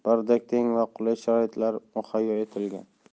teng va qulay sharoitlar muhayyo etilgan